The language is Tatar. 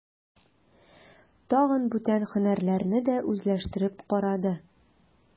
Тагын бүтән һөнәрләрне дә үзләштереп карады.